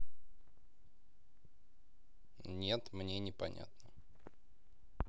нет мне непонятно